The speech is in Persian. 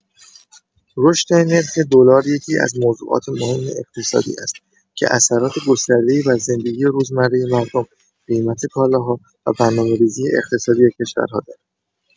رشد نرخ دلار یکی‌از موضوعات مهم اقتصادی است که اثرات گسترده‌ای بر زندگی روزمره مردم، قیمت کالاها و برنامه‌ریزی اقتصادی کشورها دارد.